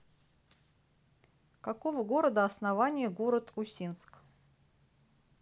какого города основания город усинск